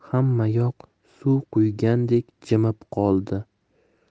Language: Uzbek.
hammayoq suv quyganday jimib qoldi